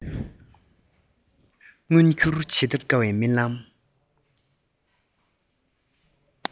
མངོན འགྱུར བྱེད ཐབས དཀའ བའི རྨི ལམ